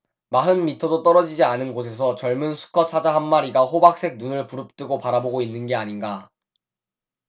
마흔 미터도 떨어지지 않은 곳에서 젊은 수컷 사자 한 마리가 호박색 눈을 부릅뜨고 바라보고 있는 게 아닌가